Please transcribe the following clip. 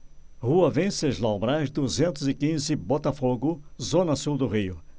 rua venceslau braz duzentos e quinze botafogo zona sul do rio